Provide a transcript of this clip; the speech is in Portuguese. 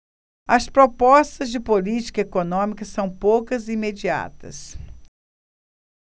as propostas de política econômica são poucas e imediatas